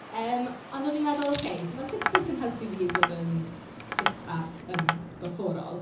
Yym, ond o'n i'n meddwl ok so ma' Fitbit yn helpu fi fod yn ffitach yn gorfforol.